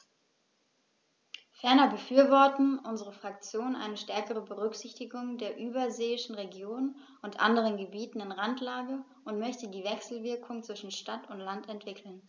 Ferner befürwortet unsere Fraktion eine stärkere Berücksichtigung der überseeischen Regionen und anderen Gebieten in Randlage und möchte die Wechselwirkungen zwischen Stadt und Land entwickeln.